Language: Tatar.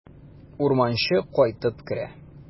Урманчы кайтып керә.